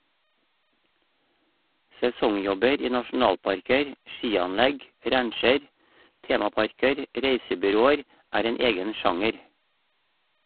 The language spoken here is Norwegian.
Sesongjobber i nasjonalparker, skianlegg, rancher, temaparker, reisebyråer er en egen sjanger.